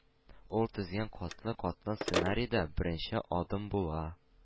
Ул төзегән катлы-катлы сценарийда беренче адым була.